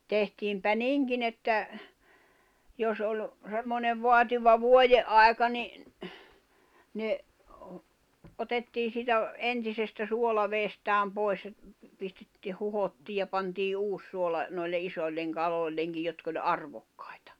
tehtiinpä niinkin että jos oli semmoinen vaativa - vuodenaika niin ne otettiin siitä entisestä suolavedestään pois ja pistettiin huuhdottiin ja pantiin uusi suola noille isoille kaloillekin jotka oli arvokkaita